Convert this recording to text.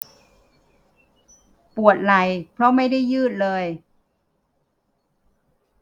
ปวดไหล่เพราะไม่ได้ยืดเลย